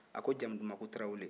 a ko jamu duman ko tarawele